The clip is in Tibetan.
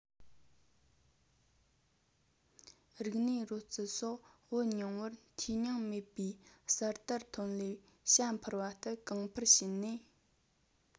རིག གནས རོལ རྩེད སོགས བོད རྙིང པར ཐོས མྱོང མེད པའི གསར དར ཐོན ལས བྱ འཕུར བ ལྟར གོང འཕེལ ཕྱིན ནས